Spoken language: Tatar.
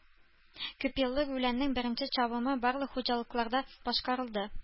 Күпьеллык үләннең беренче чабымы барлык хуҗалыкларда башкарылды